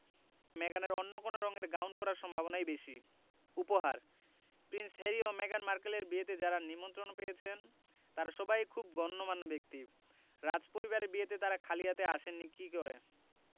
মেগানের অন্য কোন রঙের গাউন পরার সম্ভাবনাই বেশি উপহার প্রিন্স হ্যারি ও মেগান মার্কেলের বিয়েতে যাঁরা নিমন্ত্রণ পেয়েছেন তাঁরা সবাই খুব গণ্যমান্য ব্যক্তি রাজপরিবারের বিয়েতে তাঁরা খালি হাতে আসেন নি কী করে